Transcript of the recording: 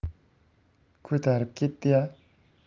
ko'tarib ketdiya